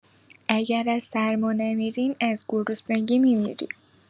اگر از سرما نمی‌ریم، از گرسنگی می‌میریم.